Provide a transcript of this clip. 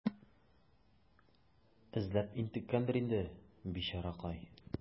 Эзләп интеккәндер инде, бичаракай.